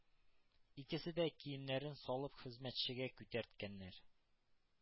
Икесе дә киемнәрен салып хезмәтчегә күтәрткәннәр.